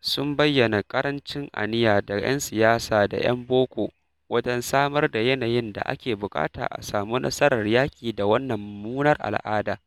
sun bayyana ƙarancin aniya daga 'yan siyasa da 'yan boko wajen samar da yanayin da ake buƙata a samu nasarar yaƙi da wannan mummunar al'ada.